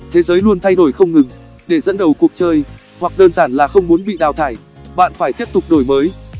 thế giới luôn thay đổi không ngừng để dẫn đầu cuộc chơi hoặc đơn giản là không muốn bị đào thải bạn phải tiếp tục đổi mới